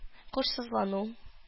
Һушсызлану